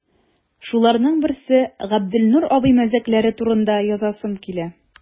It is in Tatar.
Шуларның берсе – Габделнур абый мәзәкләре турында язасым килә.